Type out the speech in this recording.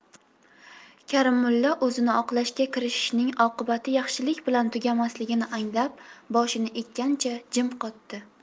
karimulla o'zini oqlashga kirishishning oqibati yaxshilik bilan tugamasligini anglab boshini egganicha jim qotdi